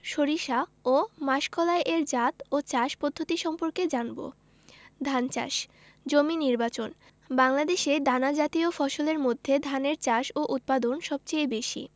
সরিষা ও মাসকলাই এর জাত ও চাষ পদ্ধতি সম্পর্কে জানব ধান চাষ জমি নির্বাচন বাংলাদেশে দানা জাতীয় ফসলের মধ্যে ধানের চাষ ও উৎপাদন সবচেয়ে বেশি